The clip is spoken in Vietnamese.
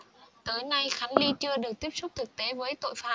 tới nay khánh ly chưa được tiếp xúc thực tế với tội phạm